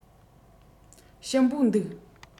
ཞིམ པོ འདུག